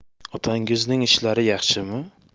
otangizning ishlari yaxshimi